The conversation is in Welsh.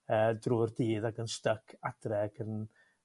yy drw'r dydd ag yn styc adre ag yn